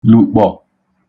lùkpọ̀